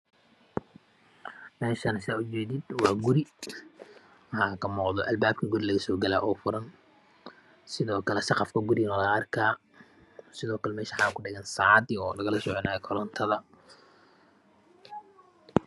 Meeshaan Saad u jeedid waa guri . Waxa ka muuqdo Albaabka guriya Laga Soo galaayay oo furan sidoo kale saqafka guriya waa la arkaa sidoo meesha waxa ku dhagan saacadii Lagala soconaayi korontada